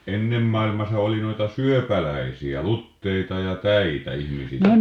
ennen maailmassa oli noita syöpäläisiä luteita ja täitä ihmisissä